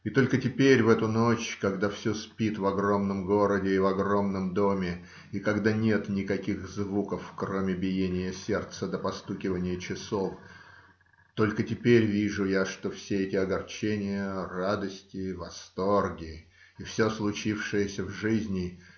И только теперь, в эту ночь, когда все спит в огромном городе и в огромном доме и когда нет никаких звуков, кроме биения сердца да постукивания часов, только теперь вижу я, что все эти огорчения, радости, восторги и все случившееся в жизни